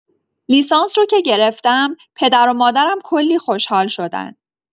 لیسانس رو که گرفتم، پدر و مادرم کلی خوشحال شدن.